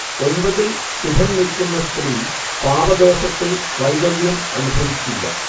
ഒൻപതിൽ ശുഭൻ നിൽക്കുന്ന സ്ത്രീ പാപദോഷത്തിൽ വൈധവ്യം അനുഭവിക്കില്ല